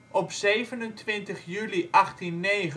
Op 27 juli 1890, 37